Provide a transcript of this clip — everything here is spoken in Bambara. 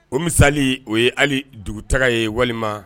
O misali o ye hali duguta ye walima